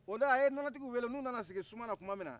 o don a ye nɔnɔtigiw weele n'u nana sigi suma na tuma min na